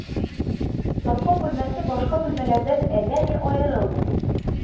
Завком бүлмәсе башка бүлмәләрдән әллә ни аерылмый